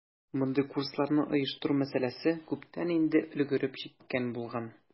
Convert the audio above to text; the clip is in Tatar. Мондый курсларны оештыру мәсьәләсе күптән инде өлгереп җиткән булган.